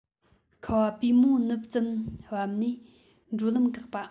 ཁ བ པུས མོ ནུབ ཙམ བབ ནས འགྲོ ལམ འགགས པ